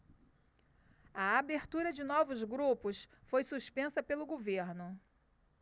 a abertura de novos grupos foi suspensa pelo governo